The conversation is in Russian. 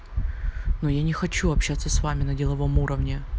но я не хочу общаться с вами на деловом уровне